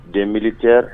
Denbi tɛ